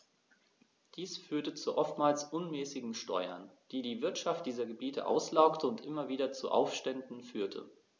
Dies führte zu oftmals unmäßigen Steuern, die die Wirtschaft dieser Gebiete auslaugte und immer wieder zu Aufständen führte.